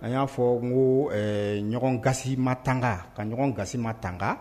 A y'a fɔ n ko ɲɔgɔn gasi matanga ka ɲɔgɔn gasi ma tanga